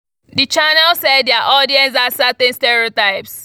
The channel said their audience had "certain stereotypes"